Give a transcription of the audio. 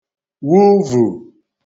wuvù